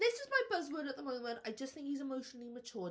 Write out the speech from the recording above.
This is my buzzword at the moment. I just think he's emotionally mature.